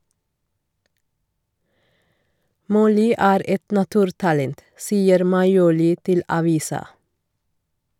Molly er et naturtalent, sier Maioli til avisa.